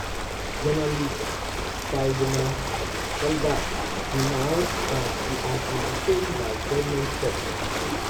Journalist Vladimir Villegas denounced that he had been detained by government forces: